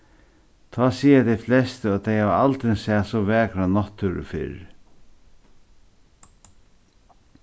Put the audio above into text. tá siga tey flestu at tey hava aldrin sæð so vakra náttúru fyrr